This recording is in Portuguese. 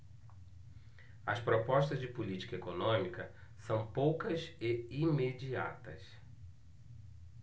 as propostas de política econômica são poucas e imediatas